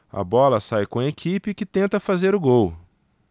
a bola sai com a equipe que tenta fazer o gol